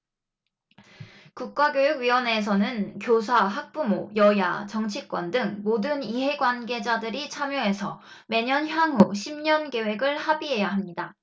국가교육위원회에서는 교사 학부모 여야 정치권 등 모든 이해관계자들이 참여해서 매년 향후 십 년 계획을 합의해야 합니다